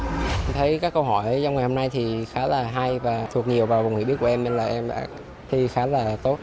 thấy các câu hỏi trong ngày hôm nay thì khá là hay và thuộc nhiều vào vùng hiểu biết của em nên là em đã thi khá là tốt